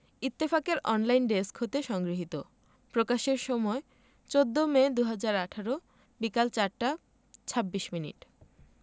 ইত্তেফাক এর online desk হতে সংগৃহীত প্রকাশের সময় ১৪মে ২০১৮ বিকেল ৪টা ২৬ মিনিট